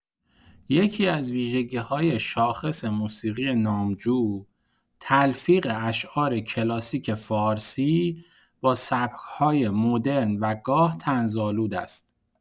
یکی‌از ویژگی‌های شاخص موسیقی نامجو، تلفیق اشعار کلاسیک فارسی با سبک‌های مدرن و گاه طنزآلود است.